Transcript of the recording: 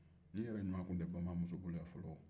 nin yɛrɛ ɲwan tun tɛ baman muso bolo yan fɔlɔn wo